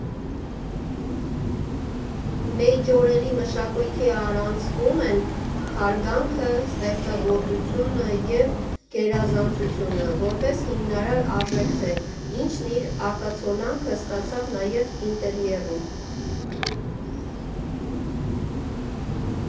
Մեյջորելի մշակույթի առանցքում են հարգանքը, ստեղծարարությունը և գերազանցությունը՝ որպես հիմնարար արժեքներ, ինչն իր արտացոլանքը ստացավ նաև ինտերիերում։